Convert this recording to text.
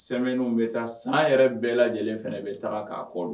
Semaines bɛ taga san yɛrɛ bɛɛ lajɛlen fana bɛ taa k'a kɔ don